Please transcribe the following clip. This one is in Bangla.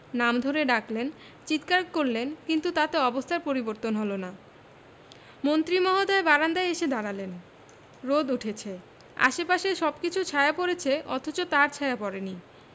নাম ধরে ডাকলেন চিৎকার করলেন কিন্তু তাতে অবস্থার পরিবর্তন হলো না মন্ত্রী মহোদয় বারান্দায় এসে দাঁড়ালেন রোদ উঠেছে আশপাশের সবকিছুর ছায়া পড়েছে অথচ তাঁর ছায়া পড়েনি